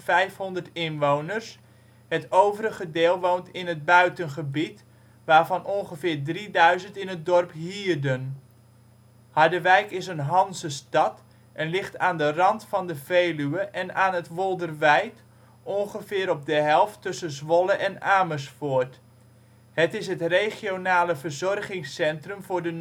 37.500 inwoners, het overige deel woont in het buitengebied, waarvan ongeveer 3000 in het dorp Hierden. Harderwijk is een Hanzestad en ligt aan de rand van de Veluwe en aan het Wolderwijd, ongeveer op de helft tussen Zwolle en Amersfoort. Het is het regionale verzorgingscentrum voor de Noordwest-Veluwe